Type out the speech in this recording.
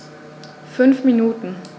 5 Minuten